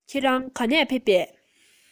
ཁྱེད རང ག ནས ཕེབས པས